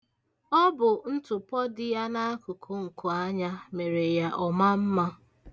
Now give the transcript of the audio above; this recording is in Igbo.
Ọ bụ ntụpọ dị ya n' akụkụ nkuanya mere ya ọ maa mma.